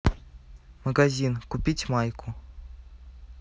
магазин купить майку